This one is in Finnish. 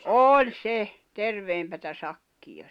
oli se terveempää sakkia